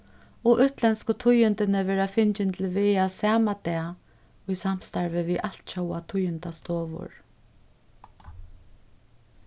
og útlendsku tíðindini verða fingin til vega sama dag í samstarvi við altjóða tíðindastovur